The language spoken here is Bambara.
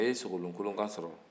a ye sogolon kolonkan sɔrɔ